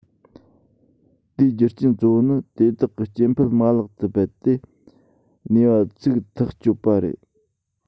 དེའི རྒྱུ རྐྱེན གཙོ བོ ནི དེ དག གི སྐྱེ འཕེལ མ ལག དུ རྦད དེ གནས པ ཚིག ཐག གཅོད པ རེད